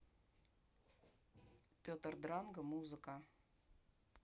петр дранга музыка